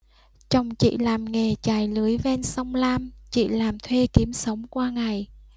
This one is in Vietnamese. chồng chị làm nghề chài lưới ven sông lam chị làm thuê kiếm sống qua ngày